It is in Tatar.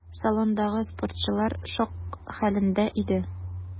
Салондагы спортчылар шок хәлендә иде.